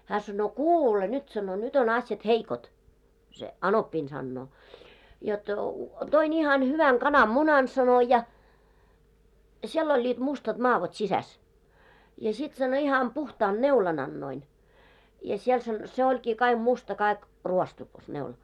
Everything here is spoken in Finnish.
hän sanoo kuule nyt sanoi nyt on asiat heikot se anoppini sanoo jotta toin ihan hyvän kananmunan sanoi ja siellä olivat mustat madot sisässä ja sitten sanoi ihan puhtaan neulan annoin ja siellä - se olikin kaikki musta kaikki ruostukas neula